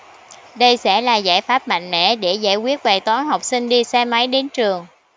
đây sẽ là giải pháp mạnh mẽ để giải quyết bài toán học sinh đi xe máy đến trường